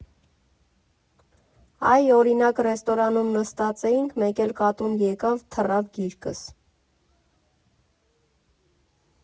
Այ, օրինակ, ռեստորանում նստած էինք, մեկ էլ կատուն եկավ, թռավ գիրկս։